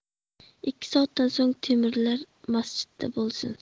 ikki soatdan so'ng temirlar masjidda bo'lsin